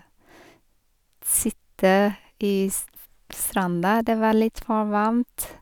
Sitte i sf stranda, det var litt for varmt.